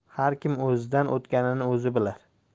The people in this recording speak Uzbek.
har kim o'zidan o'tganini o'zi bilar